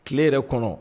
Tile yɛrɛ kɔnɔ